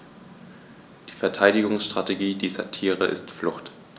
Die Verteidigungsstrategie dieser Tiere ist Flucht.